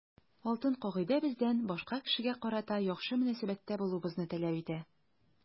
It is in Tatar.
Алтын кагыйдә бездән башка кешегә карата яхшы мөнәсәбәттә булуыбызны таләп итә.